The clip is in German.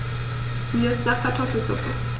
Mir ist nach Kartoffelsuppe.